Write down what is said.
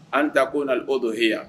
An takuunal udhi